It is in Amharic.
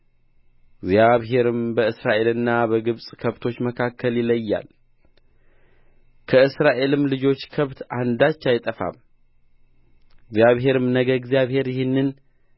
እግዚአብሔርም በእስራኤልና በግብፅ ከብቶች መካከል ይለያል ከእስራኤልም ልጆች ከብት አንዳች አይጠፋም እግዚአብሔርም ነገ እግዚአብሔር ይህን